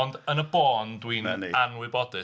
Ond yn y bon, dwi'n anwybodus.